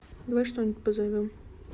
давайте что нибудь позовем